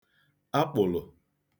akpụ̀lụ̀